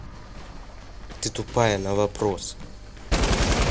ты тупая на вопрос